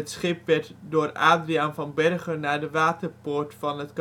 schip werd door Adriaen van Bergen naar de waterpoort van het